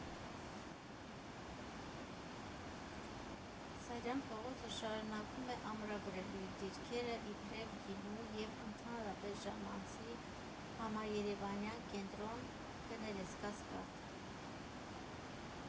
Սարյան փողոցը շարունակում է ամրագրել իր դիրքերը իբրև գինու և ընդհանրապես ժամանցի համաերևանյան կենտրոն (կներես, Կասկադ)։